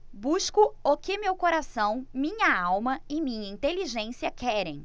busco o que meu coração minha alma e minha inteligência querem